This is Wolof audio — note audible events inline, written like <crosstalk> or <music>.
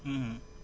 <hesitation> <hesitation>